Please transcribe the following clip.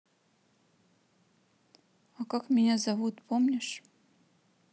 а как меня зовут помнишь